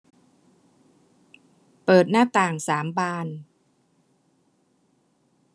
เปิดหน้าต่างสามบาน